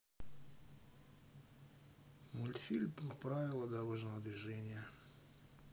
мультфильм правила дорожного движения